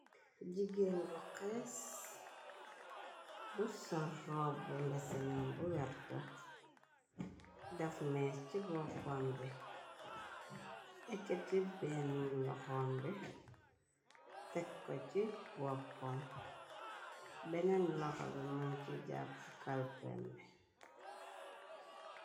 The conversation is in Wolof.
Jigéen bu xees. Bu sol robbu mbesenam bu werta. Daf mees ci boppom bi. Ekiti benn loxom bi tek ko ci boppoom. Beneen loxo bi mun ci jàpp kalpim bi.